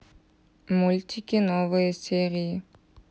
мультики новые серии